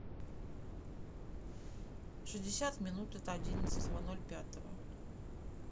шестьдесят минут от одиннадцатого ноль пятого